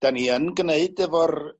'dan ni yn gneud efo'r